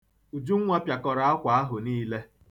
Ujunwa pịakọrọ akwa ahụ nille.